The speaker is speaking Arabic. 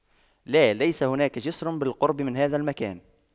لا ليس هناك جسر بالقرب من هذا المكان